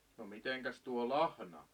no mitenkäs tuo lahna